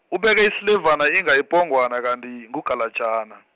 ubeke isilevana inga yipongwana kanti, ngugalajana.